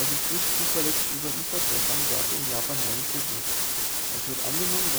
Es ist nicht zuverlässig überliefert, seit wann Sake in Japan hergestellt wird. Es wird angenommen